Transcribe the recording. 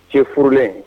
Cɛ furulen